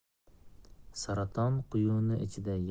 saraton quyuni ichida